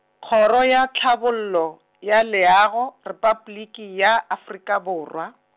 Kgoro ya Tlhabollo ya Leago, Repabliki ya Afrika Borwa.